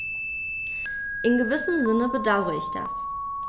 In gewissem Sinne bedauere ich das.